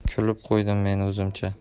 kulib qo'ydim men o'zimcha